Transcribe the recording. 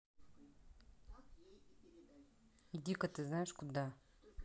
идика ты знаешь куда